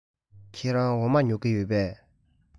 ཁྱེད རང འོ མ ཉོ གི ཡོད པས